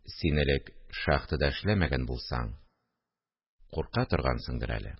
– син элек шахтада эшләмәгән булсаң, курка торгансыңдыр әле